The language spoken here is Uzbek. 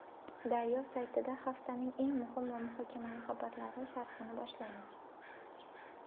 daryo saytida haftaning eng muhim va muhokamali xabarlari sharhini boshlaymiz